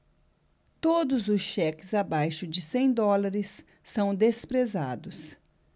todos os cheques abaixo de cem dólares são desprezados